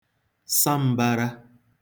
sa m̄bārā